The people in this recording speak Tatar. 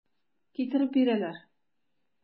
Китереп бирәләр.